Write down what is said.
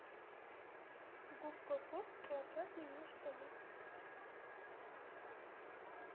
губка боб квадратные штаны ютуб